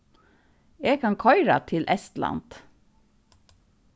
eg kann koyra til estland